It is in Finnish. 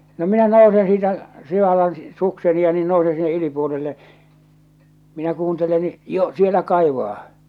no minä nousen siitä sivallan sukseni ja niin nousen sinne yläpuolille minä kuuntelen niin jo siellä kaivaa